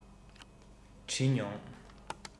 འདྲི མྱོང